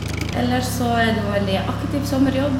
Eller så er det jo en veldig aktiv sommerjobb.